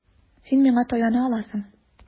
Син миңа таяна аласың.